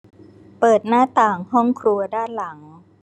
เปิดหน้าต่างห้องครัวด้านหลัง